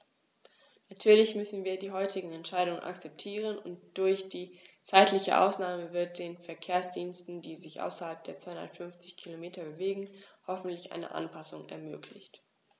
Natürlich müssen wir die heutige Entscheidung akzeptieren, und durch die zeitliche Ausnahme wird den Verkehrsdiensten, die sich außerhalb der 250 Kilometer bewegen, hoffentlich eine Anpassung ermöglicht.